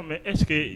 Eseke yen